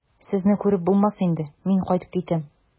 Сезне күреп булмас инде, мин кайтып китәм.